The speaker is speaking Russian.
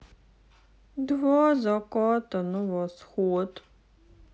два заката на восход